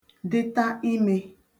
dịta imē